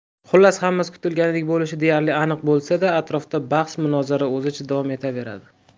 xullas hammasi kutilganidek bo'lishi deyarli aniq bo'lsa da atrofda bahs munozara o'zicha davom etaveradi